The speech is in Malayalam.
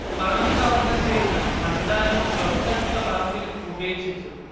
പണം കവർന്നശേഷം ഭണ്ഡാരം തൊട്ടടുത്ത പറമ്പിൽ ഉപേക്ഷിച്ചു